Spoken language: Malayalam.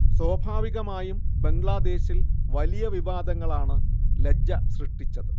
സ്വാഭാവികമായും ബംഗ്ലാദേശിൽ വലിയ വിവാദങ്ങളാണ് ലജ്ജ സൃഷ്ടിച്ചത്